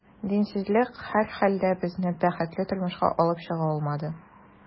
Динсезлек, һәрхәлдә, безне бәхетле тормышка алып чыга алмады.